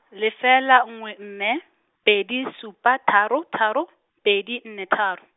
lefela nngwe nne, pedi supa tharo tharo, pedi nne tharo.